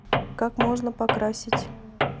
как можно покрасить